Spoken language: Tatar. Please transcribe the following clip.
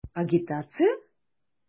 Агитация?!